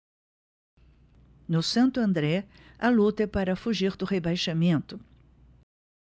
no santo andré a luta é para fugir do rebaixamento